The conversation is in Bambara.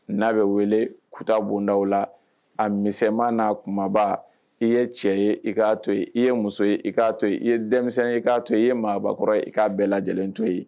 N'a bɛ weele kitaabu nawlaa a misɛman n'a kumaba, i ye cɛ ye, i k'a to yen, i ye muso ye i k'a to yen, iye denmisɛn ye i k'a to i yen, i ye maabakɔrɔ ye i k'a bɛɛ lajɛlen to yen.